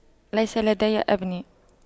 ليس لدي ابناء